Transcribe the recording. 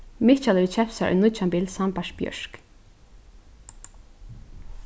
mikkjal hevur keypt sær nýggjan bil sambært bjørk